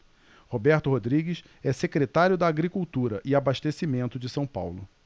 roberto rodrigues é secretário da agricultura e abastecimento de são paulo